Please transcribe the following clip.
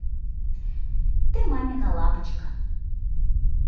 ты мамина лапочка